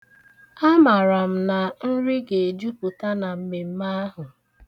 Amara m na nri ga-ejupụta na mmemme ahụ.